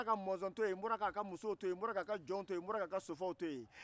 n bɔra ka mɔzɔn a ka jɔnw a ka sofaw to yen